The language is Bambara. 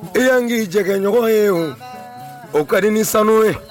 I y'an k'i jɛgɛɲɔgɔn ye o ka di ni sanu ye